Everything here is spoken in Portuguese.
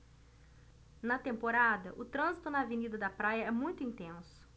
na temporada o trânsito na avenida da praia é muito intenso